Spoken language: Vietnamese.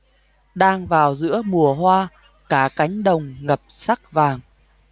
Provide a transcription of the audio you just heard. đang vào giữa mùa hoa cả cánh đồng ngập sắc vàng